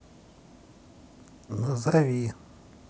назови